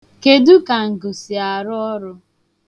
Kedụ ka ngụ si arụ ọrụ?